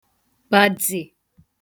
gbadzè